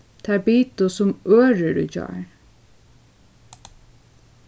teir bitu sum ørir í gjár